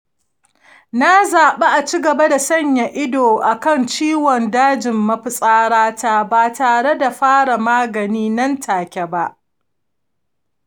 na zaɓi a ci gaba da sanya ido kan ciwon dajin mafitsara ta ba tare da fara magani nan take ba.